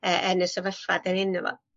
y- yn y sefyllfa 'dyn ni yno fo.